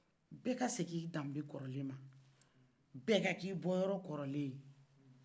bɛ ka segin i dambe kɔrɔlen ma bɛ ka k'i bɔyɔrɔ kɔrɔlenye